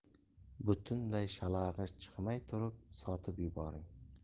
butunlay shalag'i chiqmay turib sotib yuboring